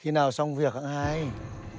khi nào xong việc hẵng hay